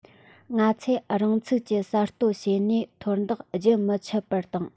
ང ཚོས རང ཚུགས ཀྱི གསར གཏོད བྱེད ནུས མཐོར འདེགས རྒྱུན མི ཆད པར བཏང